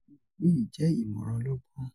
"Mo ro pe eyi jẹ imọran ọlọgbọn.